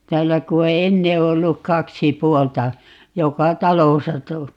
täällä kun on ennen ollut kaksi puolta joka talossa -